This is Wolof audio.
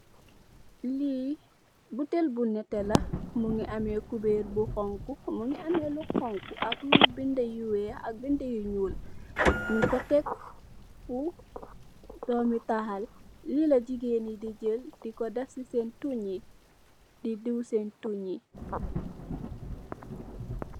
Li butèèl bu netteh la mugii ameh kuberr bu xonxu mugii ameh lu xonxu ak bindé yu wèèx ak bindé yu ñuul ñing ko tèk fu doomi tahal li la jigeen yi di jél diko def sèèn tuñ yi di diw seen tuñ yi.